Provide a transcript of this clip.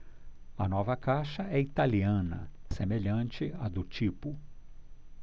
a nova caixa é italiana semelhante à do tipo